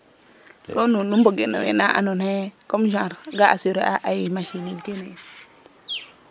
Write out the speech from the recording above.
so nuun nu mbogee no we na andoona yee comme genre gaa assurer a ay machine niin kene